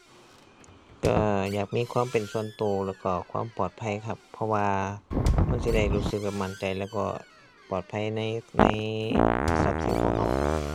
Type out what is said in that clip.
ก็อยากมีความเป็นส่วนก็ แล้วก็ความปลอดภัยครับ เพราะว่ามันสิได้รู้สึกแบบมั่นใจแล้วก็ปลอดภัยใน ในทรัพย์สินของก็ครับ